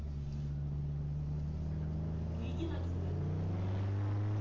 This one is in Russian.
перейди на отсюда